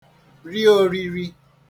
ri ōrīrī